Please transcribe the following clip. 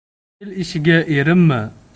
el ishiga erinma